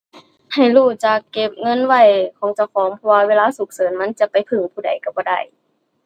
ให้รู้จักเก็บเงินไว้ของเจ้าของ เพราะว่าเวลาฉุกเฉินมันจะไปพึ่งผู้ใดก็บ่ได้